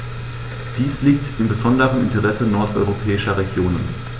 Dies liegt im besonderen Interesse nordeuropäischer Regionen.